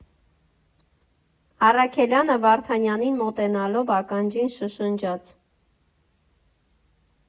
Առաքելյանը Վարդանյանին մոտենալով ականջին շշնջաց.